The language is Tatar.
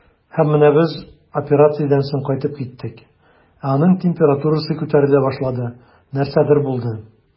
Һәм менә без операциядән соң кайтып киттек, ә аның температурасы күтәрелә башлады, нәрсәдер булды.